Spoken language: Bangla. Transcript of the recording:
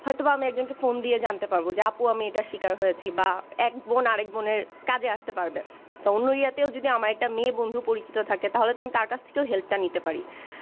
হয়তোবা আমি একজনকে ফোন দিয়ে জানাতে পারব যে আপু আমি এটার শিকার হয়েছি বা এক বোন আরেক বোনের কাজে আসতে পারবে তো অন্য এরিয়াতেও যদি আমার একটা মেয়ে বন্ধু পরিচিত থাকে তাহলে তার তো আমি কাছ থেকেও হেল্পটা নিতে পারি